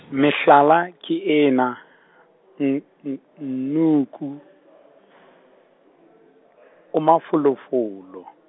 mehlala, ke ena , N- N- Nnuku , o mafolofolo.